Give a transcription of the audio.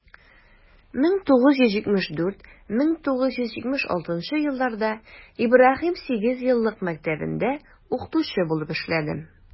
1974 - 1976 елларда ибраһим сигезьеллык мәктәбендә укытучы булып эшләдем.